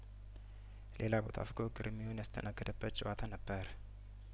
ሌላው ቦታፎጐ ግሬሚዮን ያስተናገደበት ጨዋታ ነበር